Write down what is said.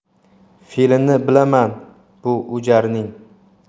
fe'lini bilaman bu o'jarning